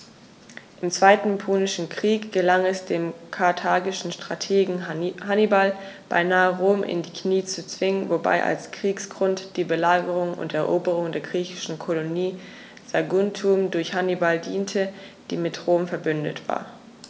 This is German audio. Im Zweiten Punischen Krieg gelang es dem karthagischen Strategen Hannibal beinahe, Rom in die Knie zu zwingen, wobei als Kriegsgrund die Belagerung und Eroberung der griechischen Kolonie Saguntum durch Hannibal diente, die mit Rom „verbündet“ war.